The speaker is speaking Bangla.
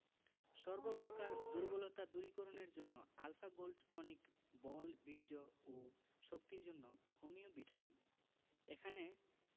সর্ব প্রকার দুর্বলতা দূরীকরণের জন্য আল্ ফা গোল্ড টনিক –বল বীর্য ও শক্তির জন্য হোমিও ভিটামিন এখানে